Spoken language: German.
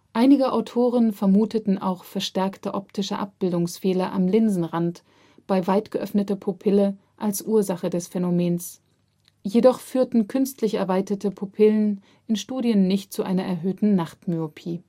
Einige Autoren vermuteten auch verstärkte optische Abbildungsfehler am Linsenrand bei weit geöffneter Pupille als Ursache des Phänomens, jedoch führten künstlich erweiterte Pupillen in Studien nicht zu einer erhöhten Nachtmyopie